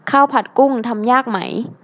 ข้าวผัดกุ้งทำยากไหม